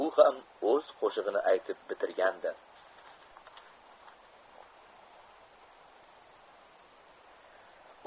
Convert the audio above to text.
u ham o'z qo'shig'ini aytib bitirgandi